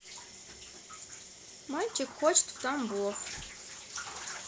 мальчик хочет в тамбов